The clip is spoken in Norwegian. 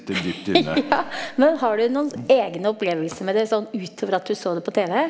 ja, men har du noen egne opplevelser med det sånn utover at du så det på tv?